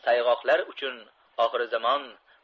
sayg'oqlar uchun oxirzamon